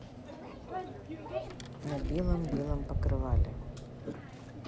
на белом белом покрывале